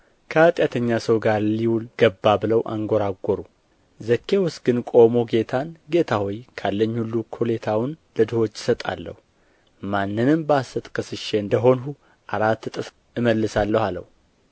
ከኃጢአተኛ ሰው ጋር ሊውል ገባ ብለው አንጐራጐሩ ዘኬዎስ ግን ቆሞ ጌታን ጌታ ሆይ ካለኝ ሁሉ እኵሌታውን ለድሆች እሰጣለሁ ማንንም በሐሰት ከስሼ እንደ ሆንሁ አራት እጥፍ እመልሳለሁ አለው